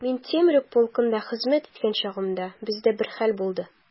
Мин Темрюк полкында хезмәт иткән чагымда, бездә бер хәл булды.